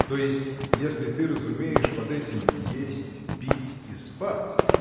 то есть если ты разумеешь под этим есть пить и спать